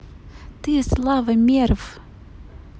ты слава мерв